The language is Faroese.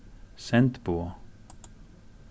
send boð